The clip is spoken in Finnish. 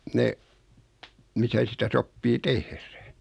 ne missä sitä sopii tehdä